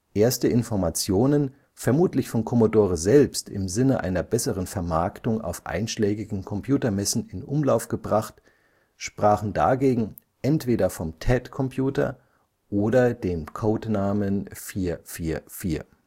Erste Informationen, vermutlich von Commodore selbst im Sinne einer besseren Vermarktung auf einschlägigen Computermessen in Umlauf gebracht, sprachen dagegen entweder vom Ted-Computer oder dem Codenamen 444